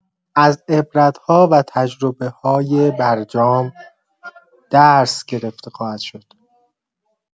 از عبرت‌ها و تجربه‌های برجام درس گرفته خواهد شد.